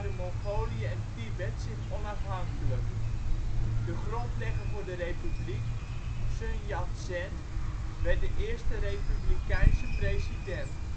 Mongolië en Tibet zich onafhankelijk. De grondlegger voor de republiek, Sun Yat-sen, werd de eerste republikeinse president